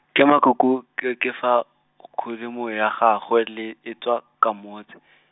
ke makuku, ke ke fa, k- khudu mo ya gagwe le e tswa, ka motse.